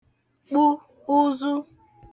kpụ ụ̀zụ̀